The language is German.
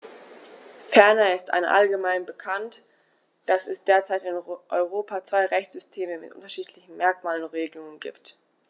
Ferner ist allgemein bekannt, dass es derzeit in Europa zwei Rechtssysteme mit unterschiedlichen Merkmalen und Regelungen gibt.